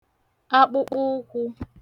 akpụkpụụkwụ̄